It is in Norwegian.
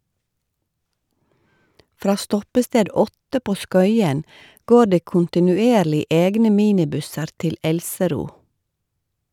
Fra stoppested 8 på Skøyen går det kontinuerlig egne minibusser til Elsero.